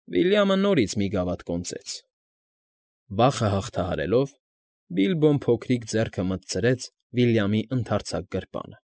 Վիլյամը նորից մի գավաթ կոնծեց։ Վախը հաղթահարելով՝ Բիլբոն փոքրիկ ձեռքը մտցրեց Վիլյամի ընդարձակ գրպանը։